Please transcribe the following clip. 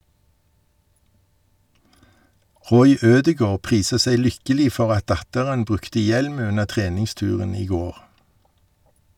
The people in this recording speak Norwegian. Roy Ødegård priser seg lykkelig for at datteren brukte hjelm under treningsturen i går.